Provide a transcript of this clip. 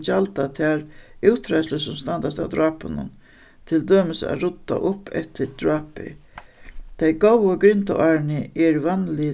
gjalda tær útreiðslur sum standast av drápinum til dømis at rudda upp eftir drápið tey góðu grindaárini eru vanlig